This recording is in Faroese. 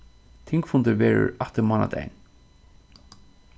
tingfundur verður aftur mánadagin